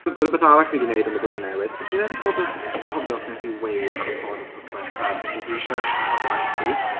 Rhywbeth arall fi di wneud am y blwyddyn newydd. Fi methu gofio- cofio os wnes i weud ar y pod wrthnos diwethaf bo fi isie siafo gwallt fi.